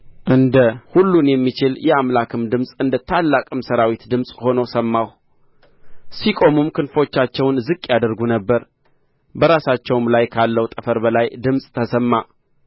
እንደ ሁሉን የሚችል የአምላክም ድምፅ እንደ ታላቅም ሠራዊት ድምፅ ሆኖ ሰማሁ ሲቆሙም ክንፎቻቸውን ዝቅ ያደርጉ ነበር በራሳቸውም ላይ ካለው ጠፈር በላይ ድምፅ ተሰማ